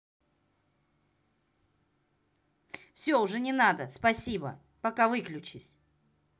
все уже не надо спасибо пока выключись